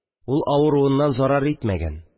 Ул авыруыннан зарар итмәгән